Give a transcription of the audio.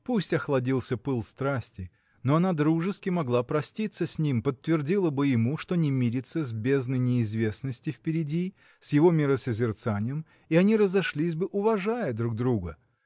Пусть охладился пыл страсти, но она дружески могла проститься с ним, подтвердила бы ему, что не мирится с бездной неизвестности впереди, с его миросозерцанием, — и они разошлись бы, уважая друг друга.